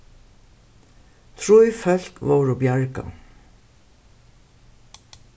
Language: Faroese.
trý fólk vórðu bjargað